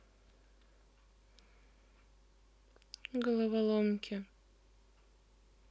головоломки